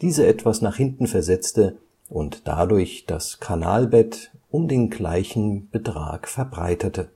diese etwas nach hinten versetzte und dadurch das Kanalbett um den gleichen Betrag verbreitete